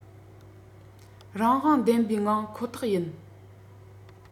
རང དབང ལྡན པའི ངང ཁོ ཐག ཡིན